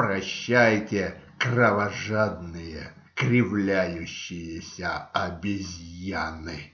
Прощайте, кровожадные, кривляющиеся обезьяны!"